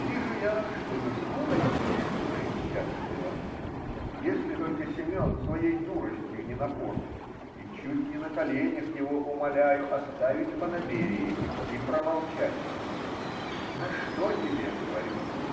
Вижу я, что заживут они себе пресчастливо, если только Семен своей дуростью не напортит, и чуть не на коленях его умоляю оставить фанаберии и промолчать. -- На что тебе? -- говорю.